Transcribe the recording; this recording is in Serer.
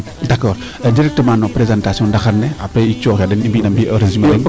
d' accord directement no presentation ndaxar ne apres i cooxa den i mbiya mbi o resumer le